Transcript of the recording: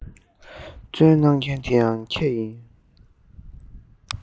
བསྩོལ གནང མཁན དེ ཡང ཁྱེད ཡིན